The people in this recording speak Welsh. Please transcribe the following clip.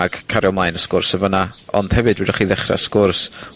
ag cario mlaen y sgwrs yn fyna. Ond hefyd fedrwch chi ddechra sgwrs